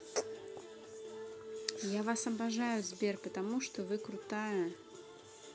я вас обожаю сбер потому что вы крутая